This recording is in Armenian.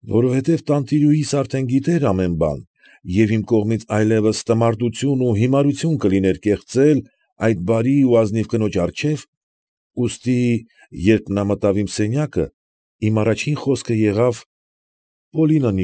Որովհետև տանտիրուհիս արդեն գիտեր ամեն բան և իմ կողմից այլևս տմարդություն ու հիմարություն կլիներ կեղծել այդ բարի ու ազնիվ կնոջ առջև, ուստի, երբ մտավ իմ սենյակը, իմ առաջին խոսքը եղավ. ֊ Պոլինա։